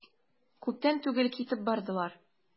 Күптән түгел китеп бардылар.